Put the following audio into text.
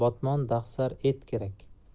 botmon dahsar et kerak